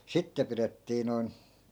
sitten pidettiin noin